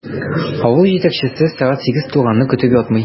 Авыл җитәкчесе сәгать сигез тулганны көтеп ятмый.